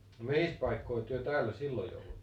mihinkäs paikkoihin te täällä silloin jouduitte